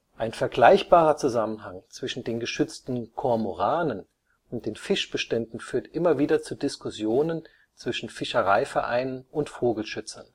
Ein vergleichbarer Zusammenhang zwischen den geschützten Kormoranen und den Fischbeständen führt immer wieder zu Diskussionen zwischen Fischereivereinen und Vogelschützern